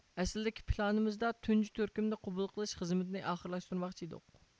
ئەسلىدىكى پىلانىمىزدا تۇنجى تۈركۈمدە قوبۇل قىلىش خىزمىتىنى ئاخىرلاشتۇرماقچى ئىدۇق